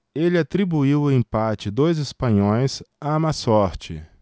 ele atribuiu o empate dos espanhóis à má sorte